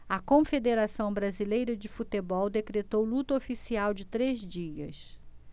a confederação brasileira de futebol decretou luto oficial de três dias